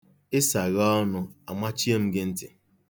Ị saghee ọnụ, amachie m gị ntị.